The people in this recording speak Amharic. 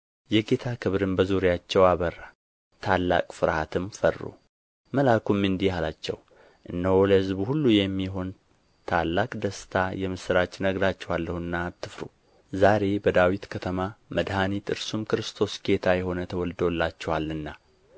የጌታ ክብርም በዙሪያቸው አበራ ታላቅ ፍርሃትም ፈሩ መልአኩም እንዲህ አላቸው እነሆ ለሕዝቡ ሁሉ የሚሆን ታላቅ ደስታ የምሥራች እነግራችኋለሁና አትፍሩ ዛሬ በዳዊት ከተማ መድኃኒት እርሱም ክርስቶስ ጌታ የሆነ ተወልዶላችኋልና